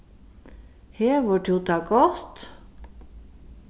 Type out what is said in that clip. hevur tú tað gott